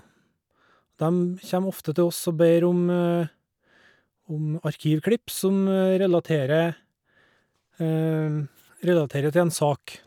Dem kjem ofte til oss og ber om om arkivklipp som relatere relaterer til en sak.